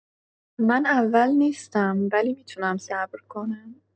من اول نیستم، ولی می‌تونم صبر کنم.